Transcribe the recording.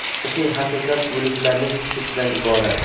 tarixiy haqiqat o'liklarning sukutidan iborat